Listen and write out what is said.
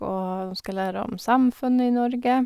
Og dem skal lære om samfunnet i Norge.